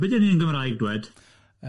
Be 'di 'ny yn Gymraeg, dwed?